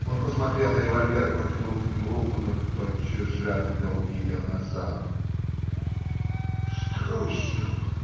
Он посмотрел на револьвер и протянул к нему руку, но тотчас же отвел ее назад. - Струсил?